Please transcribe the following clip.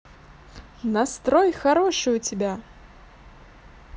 настрой хороший у тебя